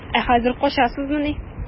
Ә хәзер качасызмыни?